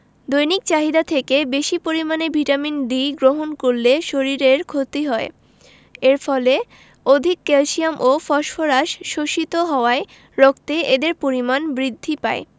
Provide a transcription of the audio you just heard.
দৈনিক চাহিদা থেকে বেশী পরিমাণে ভিটামিন ডি গ্রহণ করলে শরীরের ক্ষতি হয় এর ফলে অধিক ক্যালসিয়াম ও ফসফরাস শোষিত হওয়ায় রক্তে এদের পরিমাণ বৃদ্ধি পায়